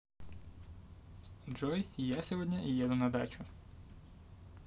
джой я сегодня еду на дачу